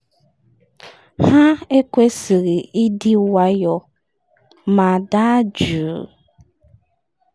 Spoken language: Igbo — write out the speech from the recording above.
Ha kwesịrị ịdị nwayọọ ma daa jụụ.”